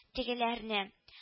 Тегеләрне